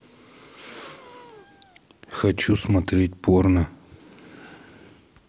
хочу смотреть порно